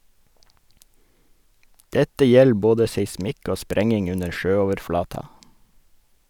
Dette gjeld både seismikk og sprenging under sjøoverflata.